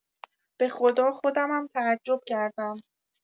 بخدا خودمم تعجب کردم